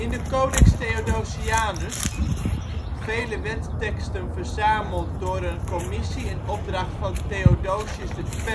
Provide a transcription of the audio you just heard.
de Codex Theodosianus, vele wetteksten verzameld door een commissie in opdracht van Theodosius II